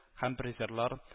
Һәм призерлар